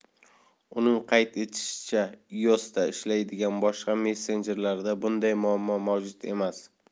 uning qayd etishicha ios'da ishlaydigan boshqa messenjerlarda bunday muammo mavjud emas